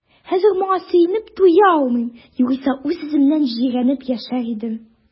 Хәзер моңа сөенеп туя алмыйм, югыйсә үз-үземнән җирәнеп яшәр идем.